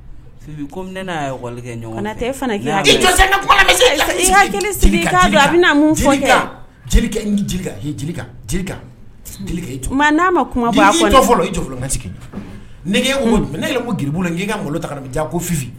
Ɲɔgɔn'a ma jɔ ne ko g bolo k'i ka ta ko